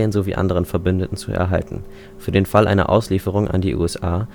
sowie anderen Verbündeten zu erhalten. Für den Fall einer Auslieferung an die USA